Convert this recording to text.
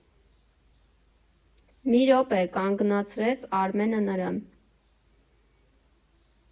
֊ Մի րոպե, ֊ կանգնացրեց Արմենը նրան։